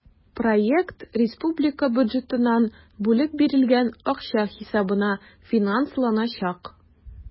Проект республика бюджетыннан бүлеп бирелгән акча хисабына финансланачак.